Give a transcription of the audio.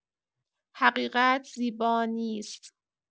حقیقت زیبا نیست.